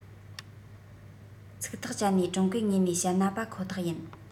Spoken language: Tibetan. ཚིག ཐག བཅད ནས ཀྲུང གོའི ངོས ནས བཤད ན པ ཁོ ཐག ཡིན